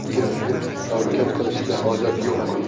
pukka deb tavakkal qilishga hojat yo'q